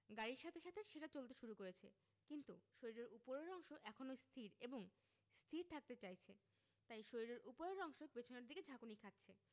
গাড়ির সাথে সাথে সেটা চলতে শুরু করেছে কিন্তু শরীরের ওপরের অংশ এখনো স্থির এবং স্থির থাকতে চাইছে তাই শরীরের ওপরের অংশ পেছনের দিকে ঝাঁকুনি খাচ্ছে